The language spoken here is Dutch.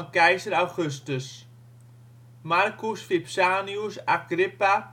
keizer Augustus Marcus Vipsanius Agrippa